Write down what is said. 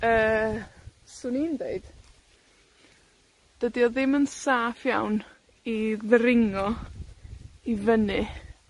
Yy, 'swn i'n deud dydi o ddim yn saff iawn, i ddringo, i fyny,